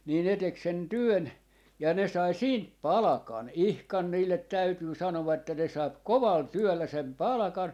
niin ne teki sen työn ja ne sai siitä palkan ihan niille täytyy sanoa että ne sai kovalla työllä sen palkan